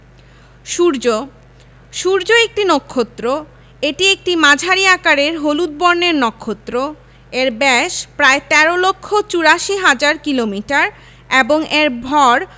সূর্যঃ সূর্য একটি নক্ষত্র এটি একটি মাঝারি আকারের হলুদ বর্ণের নক্ষত্র এর ব্যাস প্রায় ১৩ লক্ষ ৮৪ হাজার কিলোমিটার এবং এর ভর